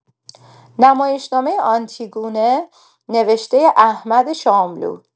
نمایشنامه آنتیگونه نوشته احمد شاملو